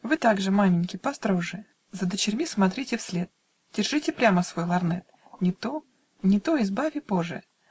Вы также, маменьки, построже За дочерьми смотрите вслед: Держите прямо свой лорнет! Не то. не то, избави боже!